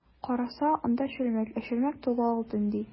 Караса, анда— чүлмәк, ә чүлмәк тулы алтын, ди.